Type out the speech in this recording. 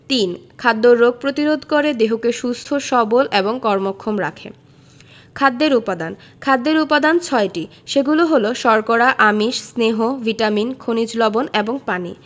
৩. খাদ্য রোগ প্রতিরোধ করে দেহকে সুস্থ সবল এবং কর্মক্ষম রাখে খাদ্যের উপাদান খাদ্যের উপাদান ছয়টি সেগুলো হলো শর্করা আমিষ স্নেহ ভিটামিন খনিজ লবন এবং পানি